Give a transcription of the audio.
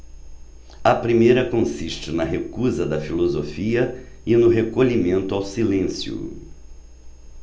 a primeira consiste na recusa da filosofia e no recolhimento ao silêncio